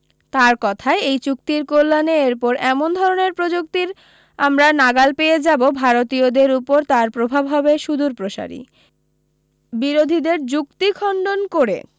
তাঁর কথায় এই চুক্তির কল্যাণে এরপর এমন ধরণের প্রযুক্তির আমরা নাগাল পেয়ে যাব ভারতীয়দের উপর তার প্রভাব হবে সুদূর প্রসারী বিরোধীদের যুক্তি খণডন করে